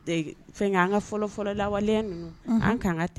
Ee fɛnkɛ an ka fɔlɔ fɔlɔ lawale ya nunun an ka